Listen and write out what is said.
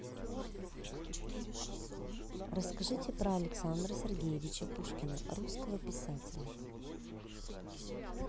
расскажи про александра сергеевича пушкина русского писателя